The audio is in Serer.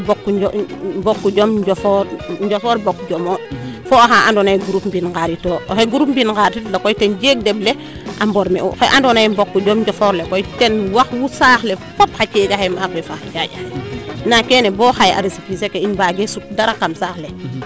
bok jom njofoor njofor bok jom o fo oxa ando naye groupe mbin ngariit o oxe groupe mbin ngarit koy ten jeeg deɓ le a mbormr u xe ando naye book jom njofor le ten waxlu saax le fop xa ceega xa maak fo mboɓ ne fo xa caanda xe nda bo xaye a recipicer ke in mbaage sut dara kam saax le